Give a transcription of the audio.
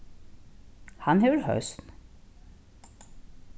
hann hevur høsn